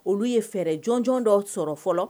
Olu ye fɛɛrɛ jɔnj dɔ sɔrɔ fɔlɔ